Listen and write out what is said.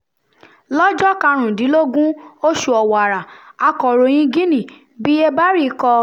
Lọ́jọ́ 15 oṣù Ọ̀wàrà, akọ̀ròyin Guinea Bhiye Bary kọ: